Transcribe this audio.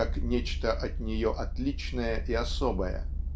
как нечто от нее отличное и особое.